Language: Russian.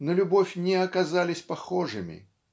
на любовь не оказались похожими.